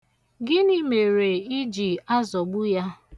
Gịnị mere ị ji azọgbu ya?